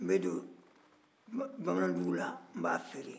n bɛ don bamanan duguw la n b'a feere